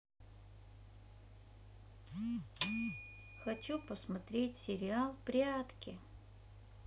хочу посмотреть сериал прятки